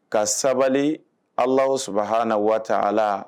Ka sabali alaaw saba h na waa a la